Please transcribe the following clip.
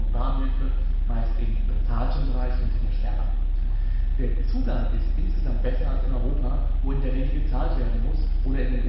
Bahnhöfe (meist im " bezahlten " Bereich hinter der Sperre). Der Zugang ist insgesamt besser als in Europa, wo in der Regel gezahlt werden muss, oder in